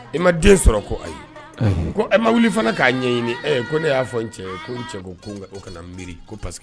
E ma den sɔrɔ ko ayi ko e ma wuli fana k'a ɲɛɲini ko ne y'a fɔ n cɛ ye ko cɛ ko ko o kana na miiri ko paseke